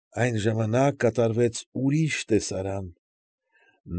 Այն ժամանակ կատարվեց ուրիշ տեսարան։